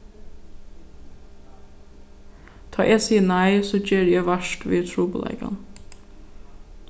tá eg sigi nei so geri eg vart við trupulleikan